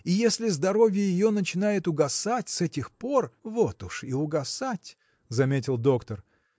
и если здоровье ее начинает угасать с этих пор. – Вот уж и угасать! – заметил доктор.